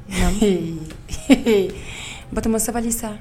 Naamu, hee e e ,Batɔma, sabali sa.